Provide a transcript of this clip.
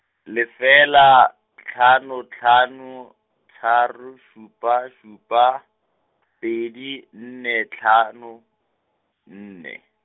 lefela, hlano, hlano, tharo, šupa, šupa , pedi, nne, hlano, nne.